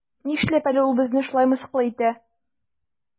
Нишләп әле ул безне шулай мыскыл итә?